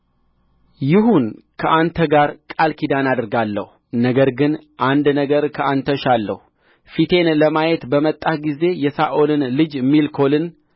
ይሁን ከአንተ ጋር ቃል ኪዳን አደርጋለሁ ነገር ግን አንድ ነገር ከአንተ እሻለሁ ፊቴን ለማየት በመጣህ ጊዜ የሳኦልን ልጅ ሜልኮልን